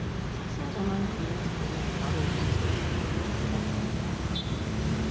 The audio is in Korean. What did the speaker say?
착신전환 금융사기는 바로 이 절차 때문에 등장했습니다